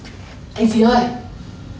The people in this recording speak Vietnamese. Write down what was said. anh gì ơi